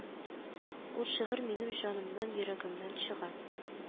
Ул шигырь минем җанымнан йөрәгемнән чыга